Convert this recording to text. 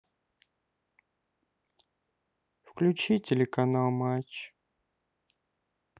включи телеканал матч